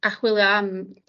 a chwilio am